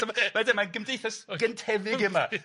So ma' deu mae'n deu ma' gymdeithas gyntefig yma.